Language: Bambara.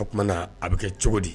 Oumana na a bɛ kɛ cogo di